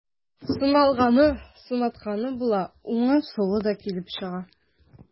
Сыналганы, сынатканы була, уңы, сулы да килеп чыга.